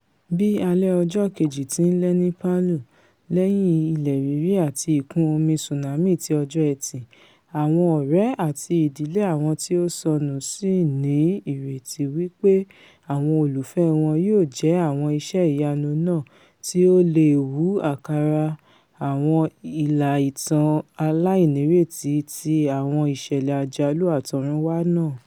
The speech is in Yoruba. Bí alẹ́ ọjọ́ kejì ti ńlẹ́ ní Palu lẹ́yìn ilẹ̀ rírì àti ìkún-omi tsunami ti ọjọ́ Ẹtì, àwọn ọ̀rẹ́ àti ìdílé àwọn tí ó ṣọnù sì ńní ìrèti wí pé àwọn olùfẹ́ wọn yóò jẹ́ àwọn iṣẹ́ ìyanu náà tí ó leè wú àkàrà àwọn ìlà ìtàn aláìnírètí ti àwọn iṣ̵ẹ̀lẹ̀ àjálù àtọ̀runwá náà.